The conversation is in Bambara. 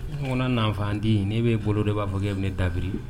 Nɔn na faadi ne bɛ bolo de b'a fɔ k e bɛ ne dafiri